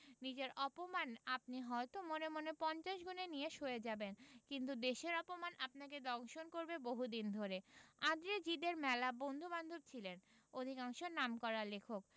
নিজের অপমান আপনি হয়ত মনে মনে পঞ্চাশ গুণে নিয়ে সয়ে যাবেন কিন্তু দেশের অপমান আপনাকে দংশন করবে বহুদিন ধরে আঁদ্রে জিদে র মেলা বন্ধুবান্ধব ছিলেন অধিকাংশই নামকরা লেখক